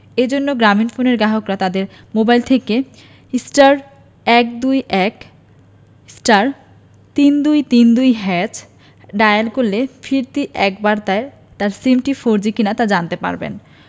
এ জন্য গ্রামীণফোনের গ্রাহকরা তাদের মোবাইল থেকে *১২১*৩২৩২# ডায়াল করলে ফিরতি এক বার্তায় তার সিমটি ফোরজি কিনা তা জানতে পারবেন